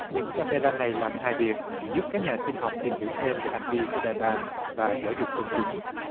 những ca mê ra này làm hai việc giúp các nhà sinh học tìm hiểu thêm về hành vi của đại bàng và giáo dục công chúng